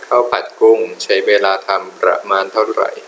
ข้าวผัดกุ้งใช้เวลาทำประมาณเท่าไหร่